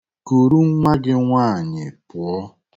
Kuru nwa gị nwaanyị pụọ